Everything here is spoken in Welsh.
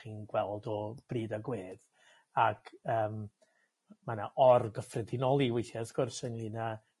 chi'n gweld o bryd â gwedd ac yym ma' 'na or gyffredinoli weithie wrth gwrs ynglŷn â